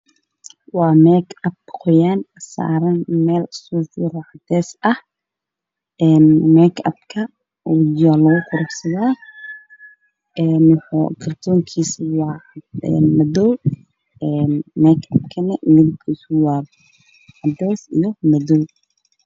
Waxaa ii muuqda busto saaran aagad iyo kartoon midabkoodu yahay midow mike appay marsaan dumarka